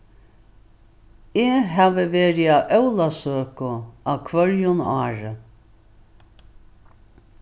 eg havi verið á ólavsøku á hvørjum ári